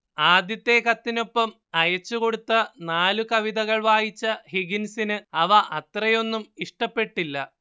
ആദ്യത്തെ കത്തിനൊപ്പം അയച്ചുകൊടുത്ത നാല് കവിതകൾ വായിച്ച ഹിഗിൻസിന് അവ അത്രയൊന്നും ഇഷ്ടപ്പെട്ടില്ല